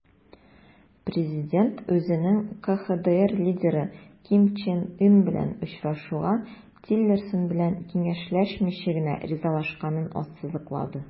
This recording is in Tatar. Президент үзенең КХДР лидеры Ким Чен Ын белән очрашуга Тиллерсон белән киңәшләшмичә генә ризалашканын ассызыклады.